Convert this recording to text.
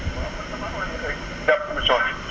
waaw man damaa woote léegi seen émission bi